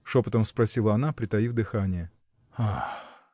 — шепотом спросила она, притаив дыхание. — Ах!